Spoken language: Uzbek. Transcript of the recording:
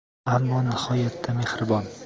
uni har ko'rganda oyim aytib bergan xizr esimga tushadi